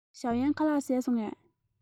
ཞའོ གཡན ཁ ལག བཟས སོང ངས